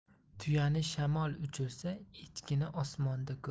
tuyani shamol uchirsa echkini osmonda ko'r